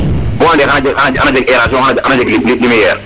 bo ande xana jeg airation xana jeg lumiere